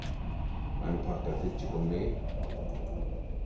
ein pakka tyggigummi